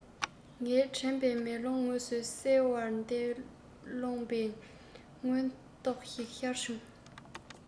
ངའི དྲན པའི མེ ལོང ངོས སུ གསལ ལེར འདས སློང པའི དོན དག ཞིག ཤར བྱུང